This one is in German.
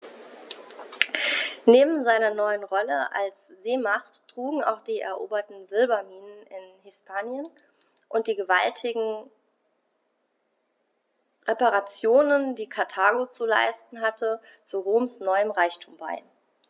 Neben seiner neuen Rolle als Seemacht trugen auch die eroberten Silberminen in Hispanien und die gewaltigen Reparationen, die Karthago zu leisten hatte, zu Roms neuem Reichtum bei.